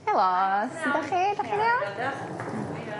Helo sud 'dach chi 'dach chi'n iawn?